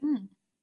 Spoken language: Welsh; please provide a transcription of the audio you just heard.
Hmm.